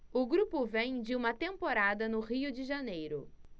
o grupo vem de uma temporada no rio de janeiro